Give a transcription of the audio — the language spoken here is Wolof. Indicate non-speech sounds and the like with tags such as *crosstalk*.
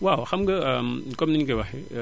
waaw xam nga *hesitation* comme ni ñu koy waxee